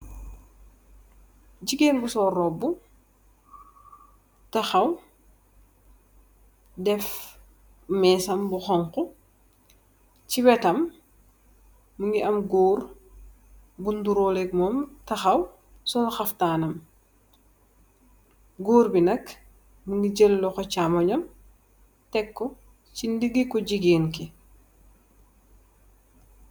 Jegain bu sol roubu tahaw def mesam bu hauhu se wetam muge am goor bu nurolek mum tahaw sol haftanam goor be nak muge jel lohou chamunyem teku se negeh ku jegain ke.